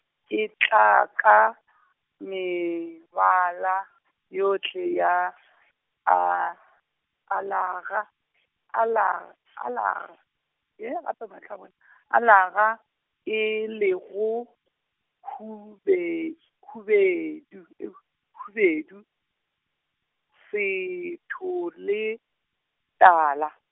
e tla ka , mebala yohle ya , a alega-, ala- ala-, hee gape , alega, e lego hube-, khubedu hubedu, setho le, tala.